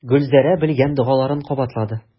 Гөлзәрә белгән догаларын кабатлады.